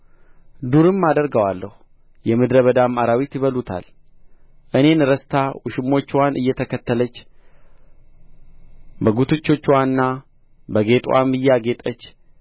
ዱርም አደርገዋለሁ የምድረ በዳም አራዊት ይበሉታል እኔን ረስታ ውሽሞችዋን እየተከተለች በጕትቾችዋና በጌጥዋም እያጌጠች